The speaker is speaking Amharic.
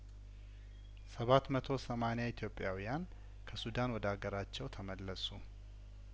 ሰባት መቶ ሰማኒያ ኢትዮጵያውያን ከሱዳን ወደ አገራቸው ተመለሱ